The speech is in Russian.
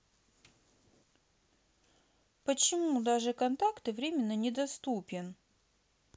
почему даже контакты временно недоступен